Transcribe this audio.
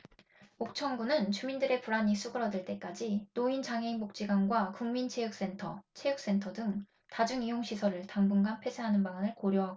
옥천군은 주민들의 불안이 수그러들 때까지 노인장애인복지관과 국민체육센터 체육센터 등 다중 이용시설을 당분간 폐쇄하는 방안을 고려하고 있다